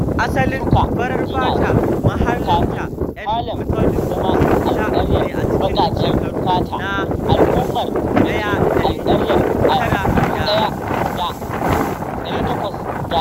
Asalin farar fata mahalarta ‘yan Methodist sun fita ne a cikin shekaru na 1930.